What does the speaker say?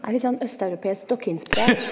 er litt sånn Øst-Europeisk dokkeinspirert.